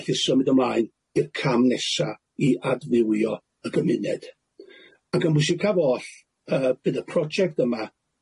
gellid symud ymlaen i'r cam nesa i adfywio y gymuned ac yn bwysicaf oll yy bydd y project yma